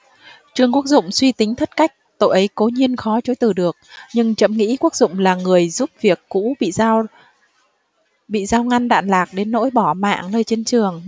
trương quốc dụng suy tính thất cách tội ấy cố nhiên khó chối từ được nhưng trẫm nghĩ quốc dụng là người giúp việc cũ bị dao bị dao ngăn đạn lạc đến nỗi bỏ mạng nơi chiến trường